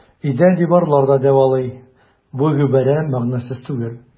Өйдә диварлар да дәвалый - бу гыйбарә мәгънәсез түгел.